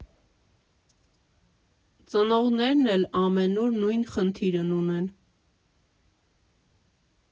Ծնողներն էլ ամենուր նույն խնդիրն ունեն.